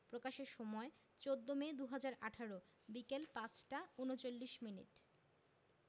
প্রকাশের সময় ১৪মে ২০১৮ বিকেল ৫টা ৩৯ মিনিট